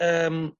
yym